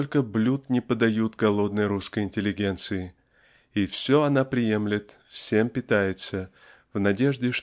только блюд не подают голодной русской интеллигенции и все она приемлет всем питается в надежде